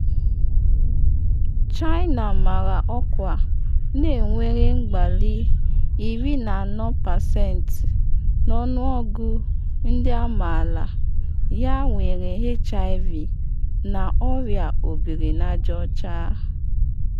China mara ọkwa na-enwere mgbali 14% n’ọnụọgụ ndị amaala ya nwere HIV na Ọrịa obiri n’aja ọcha.